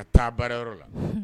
A taa baarayɔrɔ la